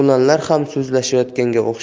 o'lanlar ham so'zlashayotganga o'xshaydi